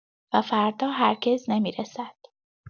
و فردا هرگز نمی‌رسد.